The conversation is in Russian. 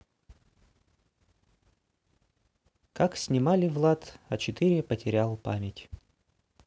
как снимали влад а четыре потерял память